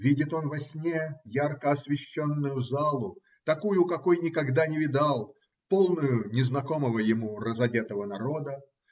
видит он во сне ярко освещенную залу, такую, какой никогда не видал, полную незнакомого ему разодетого народа.